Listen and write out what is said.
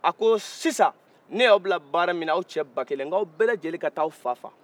a ko sisan ne y'aw bila baara min na aw cɛ ba kelen n ko a bɛɛ lajɛlen ka taa a fa faga